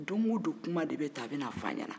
don o don kuma de b na fɔ a' ɲɛna